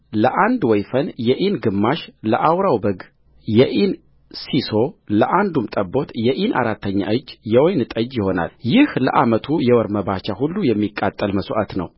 ለአንድ ወይፈን የኢን ግማሽ ለአውራው በግም የኢን ሢሶ ለአንዱም ጠቦት የኢን አራተኛ እጅ የወይን ጠጅ ይሆናል ይህ ለዓመቱ የወር መባቻ ሁሉ የሚቃጠል መሥዋዕት ነው